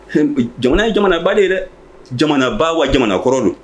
H jamana jamanaba de dɛ jamanaba wa jamana kɔrɔ don